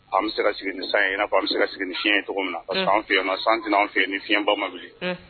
An bɛ se ka sigi ni san ye ɲɛna ko an bɛ se ka sigi ni fiɲɛyɛn ye cogo min san fi yan san tinaan fi ni fiɲɛyɛn ba ma wuli